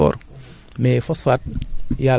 maanaam gàncax yépp a ko soxla phosphore